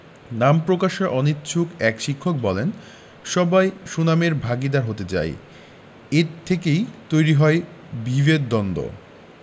নাম প্রকাশে অনিচ্ছুক এক শিক্ষক বললেন সবাই সুনামের ভাগীদার হতে চায় এ থেকেই তৈরি হয়েছে বিভেদ দ্বন্দ্ব